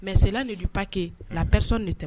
Mɛsila de bɛ papi larerisi de tɛmɛ